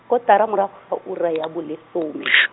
kotara morago ga ura ya bolesome.